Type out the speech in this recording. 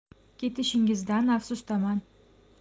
ketishingizdan afsusdaman